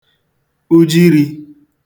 ujirī